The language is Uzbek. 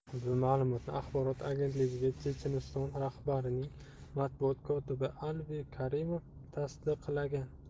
bu ma'lumotni axborot agentligiga checheniston rahbarining matbuot kotibi alvi karimov tasdiqlagan